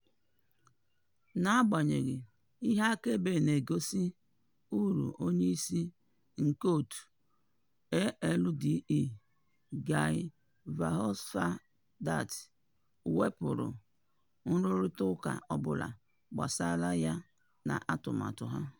N’agbanyeghị ihe akaebe na-egosi ụrụ, onye isi nke otu ALDE, Guy Verhofstadt wepụrụ nrụrịtaụka ọbụla gbasara ya n’atụmatụ ha.